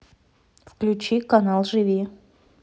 включи канал живи